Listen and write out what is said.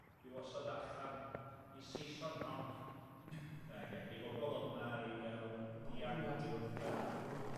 i'w osod o allan, i Saeson rhonc, nage, i bobol ddod yna i gael yym ... I bobl ddŵad. ...oddi wrth yym... Ddŵad yna.